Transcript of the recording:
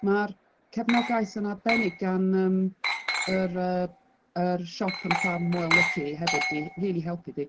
Mae'r cefnogaeth yn arbennig gan yym yr yy yr siop yn Ffarm Moelyci hefyd 'di rili helpu fi.